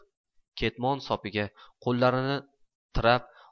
ketmon sopiga qo'llarini tirab